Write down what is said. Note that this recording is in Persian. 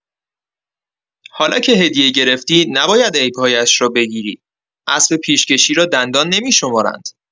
حالا که هدیه گرفتی، نباید عیب‌هایش را بگیری، اسب پیش‌کشی را دندان نمی‌شمارند.